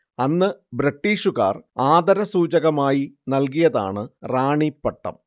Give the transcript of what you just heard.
അന്ന് ബ്രിട്ടീഷുകാർ ആദരസൂചകമായി നൽകിയതാണ് റാണി പട്ടം